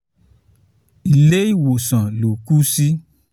Ilé-ìwòsàn ló kú sí.